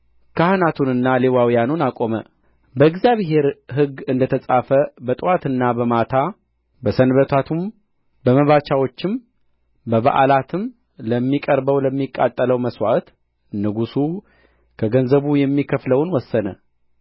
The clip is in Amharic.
ካህናቱንና ሌዋውያኑን አቆመ በእግዚአብሔርም ሕግ እንደ ተጻፈ በጥዋትና በማታ በሰንበታቱም በመባቻዎቹም በበዓላትም ለሚቀርበው ለሚቃጠለው መሥዋዕት ንጉሡ ከገንዘቡ የሚከፍለውን ወሰነ